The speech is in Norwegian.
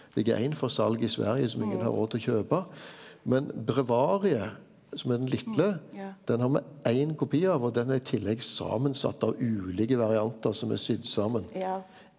ligg éin for sal i Sverige som ingen har råd til å kjøpa men breviariet som er den litle den har me ein kopi av og den er i tillegg samansett av ulike variantar som er sydd saman.